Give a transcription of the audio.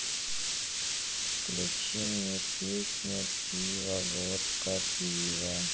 включи мне песню пиво водка пиво